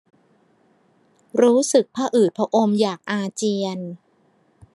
รู้สึกพะอืดพะอมอยากอาเจียน